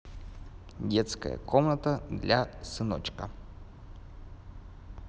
детская комната для сыночка